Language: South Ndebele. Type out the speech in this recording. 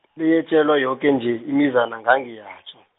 -be beyetjelwa yoke nje imizana ngangiyatjho.